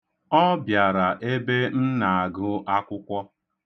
Ọ bịara ebe m na-agụ akwụkwọ.